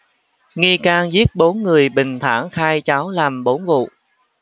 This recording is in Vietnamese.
nghi can giết bốn người bình thản khai cháu làm bốn vụ